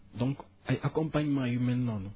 donc ay accompagnements yu mel noonu